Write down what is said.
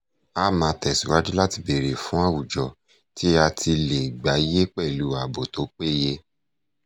A máa tẹ̀síwajú láti béèrè fún àwùjọ tí a ti lè gbáyé pẹ̀lú ààbò tó péye.